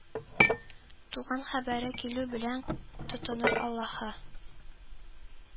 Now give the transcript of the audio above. Туган хәбәре килү белән тотыныр, Аллаһы